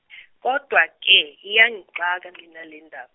kodwa ke iyangixaka mina lendaba.